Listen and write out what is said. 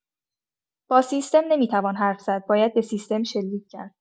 با سیستم نمی‌توان حرف زد، باید به سیستم شلیک کرد.